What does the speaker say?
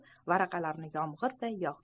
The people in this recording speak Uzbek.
varaqalarni yomg'irday yog'diradi da